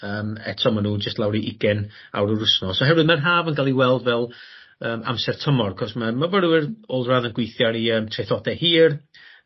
Yym eto ma' n'w jyst lawr i ugen awr yr wsnos oherwydd ma'r haf yn ga'l 'i weld fel yym amser tymor 'c'os ma' myfyrwyr olradd yn gwithio ar 'u yym traethode hir